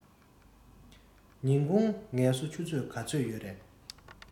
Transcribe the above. ཉིན གུང ངལ གསོ ཆུ ཚོད ག ཚོད ཡོད རས